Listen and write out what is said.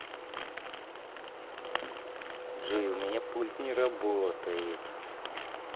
джой у меня пульт не работает